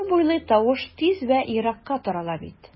Су буйлый тавыш тиз вә еракка тарала бит...